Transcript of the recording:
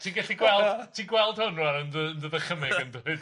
Ti'n gallu gweld, ti'n gweld hwn rŵan yn dy- yn dy ddychymyg yn dwyt?